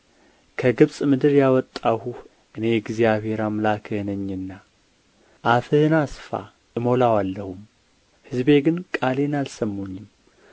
ከግብጽ ምድር ያወጣሁህ እኔ እግዚአብሔር አምላክህ ነኝና አፍህን አስፋ እሞላዋለሁም ሕዝቤ ግን ቃሌን አልሰሙኝም